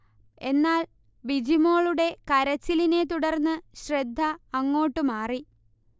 എന്നാൽ ബിജി മോളുടെ കരച്ചിലിനെ തുടർന്ന് ശ്രദ്ധ അങ്ങോട്ട് മാറി